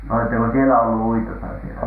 no oletteko siellä ollut uitossa siellä